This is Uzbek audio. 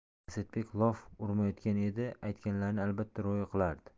asadbek lof urmayotgan edi aytganlarini albatta ro'yo qilardi